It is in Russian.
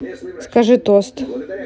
скажи тост